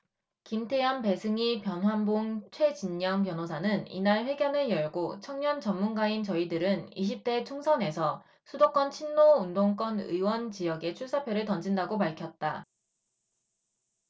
김태현 배승희 변환봉 최진녕 변호사는 이날 회견을 열고 청년 전문가인 저희들은 이십 대 총선에서 수도권 친노 운동권 의원 지역에 출사표를 던진다고 밝혔다